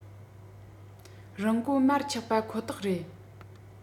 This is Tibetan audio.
རིན གོང མར ཆག པ པ ཁོ ཐག རེད